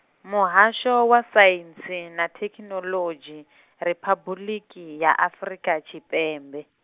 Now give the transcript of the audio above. Muhasho wa Saintsi na Thekinoḽodzhi Riphabuḽiki ya Afrika Tshipembe.